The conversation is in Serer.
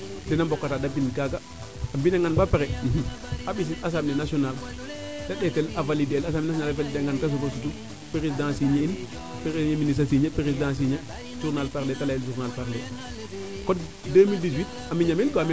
dena mbokata de mbin kaaga a mbina ngaan baa pare a ɓisin assembler national te ndeetel a valider el assambler national a valider a ngaan te soogo sutu president signer in premier ministre a signer president signer journal parler te leyel journale parler code 2018 a miña meen quoi mais